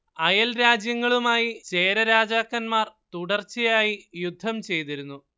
അയൽ രാജ്യങ്ങളുമായി ചേര രാജാക്കന്മാർ തുടർച്ചയായി യുദ്ധം ചെയ്തിരുന്നു